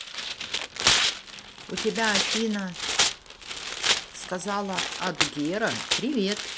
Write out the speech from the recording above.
у тебя афина сказала от гера привет